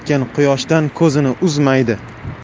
quyoshdan ko'zini uzmaydi